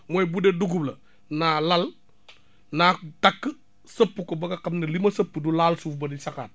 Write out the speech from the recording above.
mooy bu dee dugub la naa lal naa ko takk sëpp ko ba nga xam ne li nga sëpp du laal suuf ba di saxaat